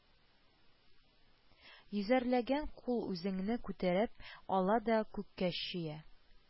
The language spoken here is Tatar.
Йөзәрләгән кул үзеңне күтәреп ала да күккә чөя